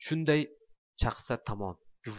shunday chaqsa tamom